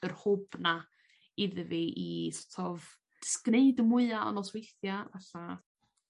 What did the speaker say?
yr hwb 'na iddo fi i so't of jys gneud y mwya o nosweithia fatha